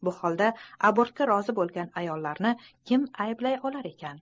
bu holda abortga rozi bo'lgan ayollarni kim ayblay olar ekan